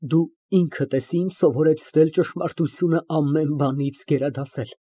Դու ինքդ ես ինձ սովորեցրել ճշմարտությունը ամեն բանից գերադասել։